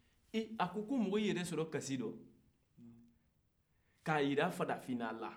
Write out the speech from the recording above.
ee ako ko mɔgɔ b'i yɛrɛ sɔrɔ kasi la k'a jira farafinna la